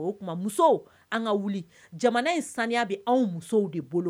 O tuma musow an ka wuli jamana in saniya bɛ anw musow de bolo